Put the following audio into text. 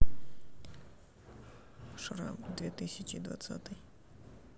шрам две тысячи двадцатый